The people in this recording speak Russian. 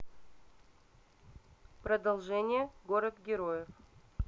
продолжение город героев